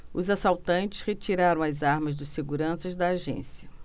os assaltantes retiraram as armas dos seguranças da agência